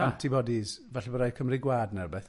Antibodies, falle bo' raid cymryd gwad neu rwbeth.